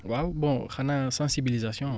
waaw bon xanaa sensibilisation